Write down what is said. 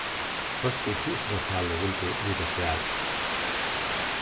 fólk í túsundatali vildu vita svarið